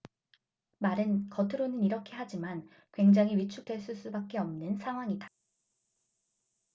말은 겉으로는 이렇게 하지만 굉장히 위축됐을 수밖에 없는 상황이다